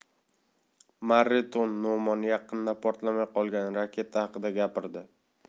ma'rretun no'mon yaqinida portlamay qolgan raketa haqida gapirdi